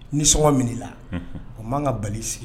Nisɔngɔ minla a manan ka bali sigi